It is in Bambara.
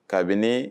Kabini